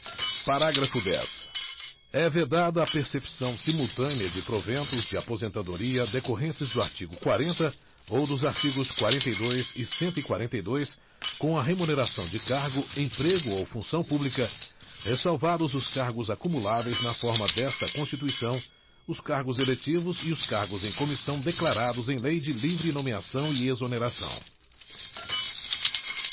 parágrafo dez é vedada a percepção simultânea de proventos de aposentadoria decorrentes do artigo quarenta ou dos artigos quarenta e dois e cento e quarenta e dois com a remuneração de cargo emprego ou função pública ressalvados os cargos acumuláveis na forma desta constituição os cargos eletivos e os cargos em comissão declarados em lei de livre nomeação e exoneração